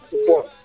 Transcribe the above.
*